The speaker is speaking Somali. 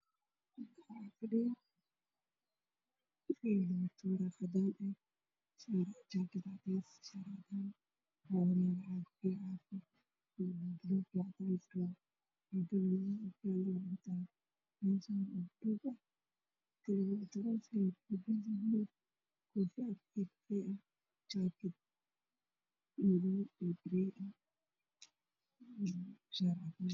Meeshaan oo meel u joogaan dad farabadan waxaa fadhiya niman labada nina usooreysa waxay wataan suud qaxwi ah iyo mid buluuga ah